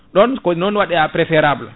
ɗon ko non wiɗiya préférable